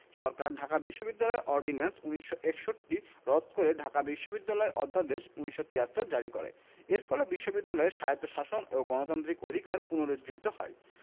সরকার ঢাকা বিশ্ববিদ্যালয় অর্ডিন্যান্স ১৯৬১ রদ করে ঢাকা বিশ্ববিদ্যালয় অধ্যাদেশ ১৯৭৩ জারি করে এর ফলে বিশ্ববিদ্যালয়ের স্বায়ত্তশাসন ও গণতান্ত্রিক অধিকার পুনরুজ্জীবিত হয়